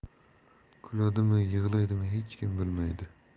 kuladimi yig'laydimi hech kim bilmaydi